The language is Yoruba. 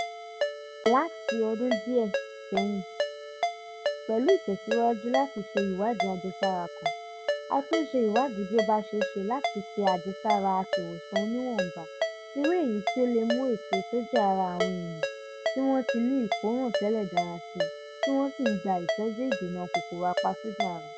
Láti ọdún díẹ̀ sẹ́yìn, pẹ̀lú ìtẹ̀síwájú láti ṣe ìwádìí àjẹsára kan, a tún ń ṣe ìwádìí bí ó bá ṣeéṣe láti ṣe àjẹsára aṣèwòsàn oníwọ̀nǹba, irú èyí tí ó lè mú ètò sójà ara àwọn èèyàn tí wọ́n ti ní ìkóràn tẹ́lẹ̀ dára síi tí wọ́n sì ń gba ìtọ́jú ìdènà kòkòrò apasòjà-ara.